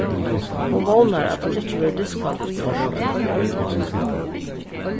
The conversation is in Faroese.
hon vónar at hon ikki verður diskvalifiserað